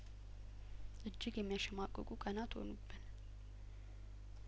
እጅግ የሚያሸ ማቅቁ ቀናት ሆኑብን